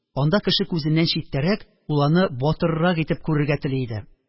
Анда – кеше күзеннән читтәрәк – ул аны батыррак итеп күрергә тели иде